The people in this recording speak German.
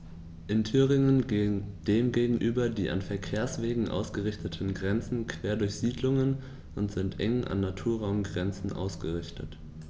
In Thüringen gehen dem gegenüber die an Verkehrswegen ausgerichteten Grenzen quer durch Siedlungen und sind eng an Naturraumgrenzen ausgerichtet.